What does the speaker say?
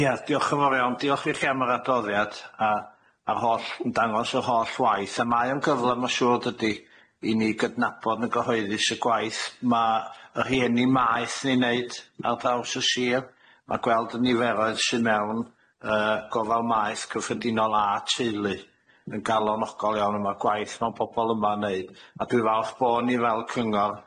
Ia diolch yn fowr iawn, diolch i chi am yr adroddiad a a'r holl yn dangos yr holl waith a mae o'n gyfle ma' siŵr dydi i ni gydnabod yn gyhoeddus y gwaith ma' y rhieni maeth 'n'i neud ar draws y sir, ma' gweld y niferoedd sy mewn yy gofal maeth cyffredinol a teulu, yn galonogol iawn a ma'r gwaith ma' pobol yma'n neud a dwi falch bo' ni fel cyngor,